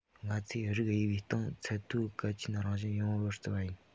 ང ཚོས རིགས དབྱེ བའི སྟེང ཚད མཐོའི གལ ཆེན རང བཞིན ཡོད པར བརྩི བ ཡིན